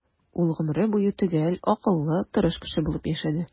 Ул гомере буе төгәл, акыллы, тырыш кеше булып яшәде.